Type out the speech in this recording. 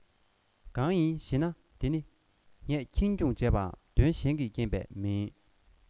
གང ཡིན ཞེ ན དེ ནི ངས ཁེངས སྐྱུང བྱས པའམ དོན གཞན གྱི རྐྱེན པས མིན